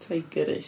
Tigerist.